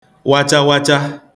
wachawacha